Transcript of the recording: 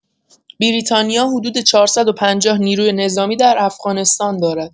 بریتانیا حدود ۴۵۰ نیروی نظامی در افغانستان دارند.